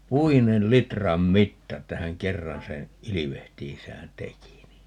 puinen litran mitta että hän kerran sen ilvehtiessään teki niin